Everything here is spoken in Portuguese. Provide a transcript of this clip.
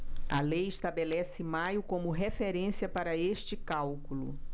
a lei estabelece maio como referência para este cálculo